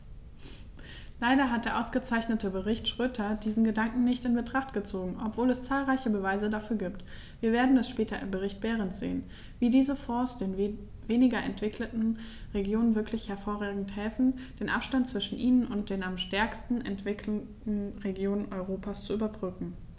Leider hat der ausgezeichnete Bericht Schroedter diesen Gedanken nicht in Betracht gezogen, obwohl es zahlreiche Beweise dafür gibt - wir werden das später im Bericht Berend sehen -, wie diese Fonds den weniger entwickelten Regionen wirklich hervorragend helfen, den Abstand zwischen ihnen und den am stärksten entwickelten Regionen Europas zu überbrücken.